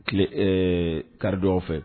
Tile karidon fɛ